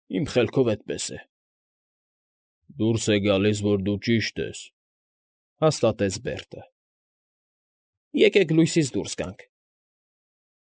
Իմ խելքով էդպես է։ ֊ Դուրս է գալիս, որ դու ճիշտ ես,֊ հաստատեց Բերտը։ ֊ Եկեք լույսից դուրս գանք։